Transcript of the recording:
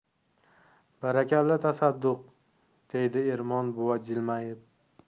barakalla tasadduq deydi ermon buva jilmayib